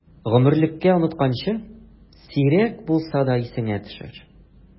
Гомерлеккә онытканчы, сирәк булса да исеңә төшер!